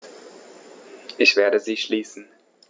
Ich werde sie schließen.